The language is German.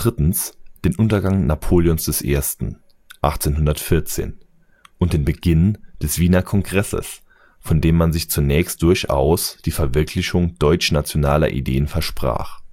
Unglück.), den Untergang Napoleons I. 1814 und den Beginn des Wiener Kongresses, von dem man sich zunächst durchaus die Verwirklichung deutschnationaler Ideen versprach